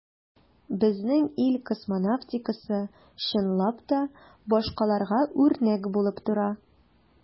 Безнең ил космонавтикасы, чынлап та, башкаларга үрнәк булып тора.